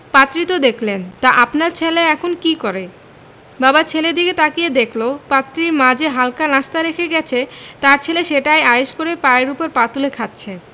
পাত্রী তো দেখলেন তা আপনার ছেলে এখন কী করে বাবা ছেলের দিকে তাকিয়ে দেখল পাত্রীর মা যে হালকা নাশতা রেখে গেছে তার ছেলে সেটাই আয়েশ করে পায়ের ওপর পা তুলে খাচ্ছে